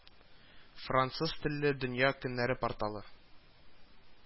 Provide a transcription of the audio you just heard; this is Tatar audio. Франсыз телле дөнья көннәре порталы